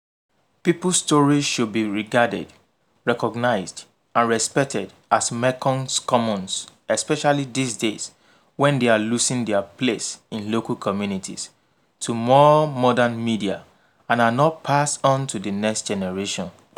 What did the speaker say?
People’s stories should be regarded, recognized, and respected as Mekong’s commons, especially these days when they are losing their place in local communities to more modern media, and are not passed on to next generations.